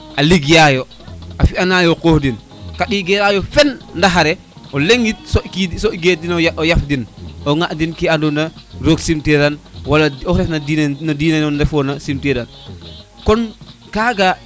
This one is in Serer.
xa ligeya yo a fiya nano qoox den qaɗiya yo fen ndax xare o leŋ soɓke den o yaf den o ŋadin ke ando na roog sim teran wal oxu ref na no dine newo sim teran kon kaga